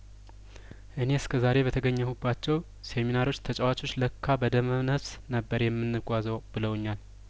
እኔ እስከዛሬ በተገኘ ሁባቸው ሴሚናሮች ተጫዋቾች ለካ በደመነፍስ ነበር የምን ጓዘው ብለውኛል